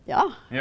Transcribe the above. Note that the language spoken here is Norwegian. ja.